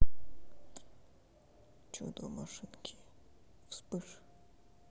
чудо машинки вспыш